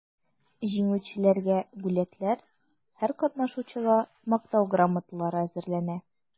Җиңүчеләргә бүләкләр, һәр катнашучыга мактау грамоталары әзерләнә.